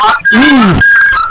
oui